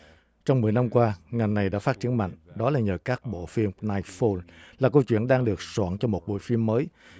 trong mười năm qua ngành này đã phát triển mạnh đó là nhờ các bộ phim nai phô là câu chuyện đang được soạn cho một bộ phim mới